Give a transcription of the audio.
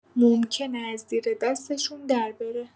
ممکنه از زیر دستشون دربره.